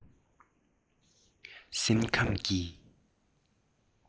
སེམས ཁམས ཀྱི